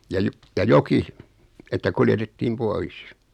ja - ja joki että kuljetettiin pois